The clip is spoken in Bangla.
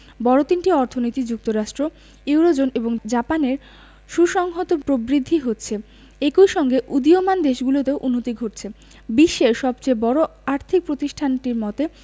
বড় তিনটি অর্থনীতি যুক্তরাষ্ট্র ইউরোজোন এবং জাপানের সুসংহত প্রবৃদ্ধি হচ্ছে একই সঙ্গে উদীয়মান দেশগুলোতেও উন্নতি ঘটছে বিশ্বের সবচেয়ে বড় আর্থিক প্রতিষ্ঠানটির মতে